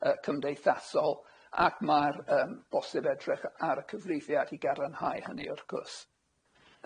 y cymdeithasol ac ma'r yym bosib edrych ar y cyfrifiad i gadarnhau hynny wrth gwrs.